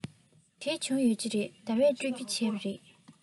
དེ བྱུང ཡོད ཀྱི རེད ཟླ བས སྤྲོད རྒྱུ བྱས པ རེད